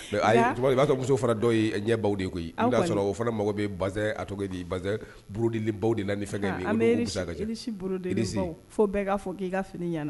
B'a muso fana dɔ ɲɛ baw de ye koyi'a sɔrɔ o fana mago bɛ a cogo di bdli baw de fɛn fo bɛɛ'a fɔ ki fini